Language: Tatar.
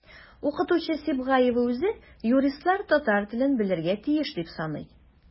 Укытучы Сибгаева үзе юристлар татар телен белергә тиеш дип саный.